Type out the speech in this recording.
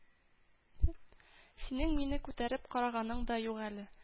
– синең мине күтәреп караганың да юк әле